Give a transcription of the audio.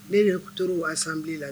Ne de k tor'o assemblée la